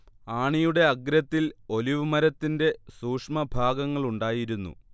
ആണിയുടെ അഗ്രത്തിൽ ഒലീവ് മരത്തിന്റെ സൂക്ഷ്മഭാഗങ്ങളുണ്ടായിരുന്നു